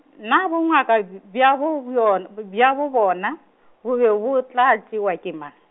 naa bongaka b- bja bo bjo n-, b- bja bo bona, bo be bo tla tšewa ke mang?